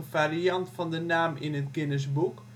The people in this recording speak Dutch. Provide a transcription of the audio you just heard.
variant van de naam in het Guinness Book